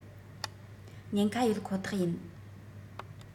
ཉན ཁ ཡོད ཁོ ཐག ཡིན